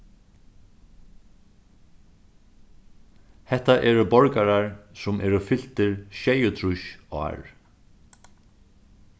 hetta eru borgarar sum eru fyltir sjeyogtrýss ár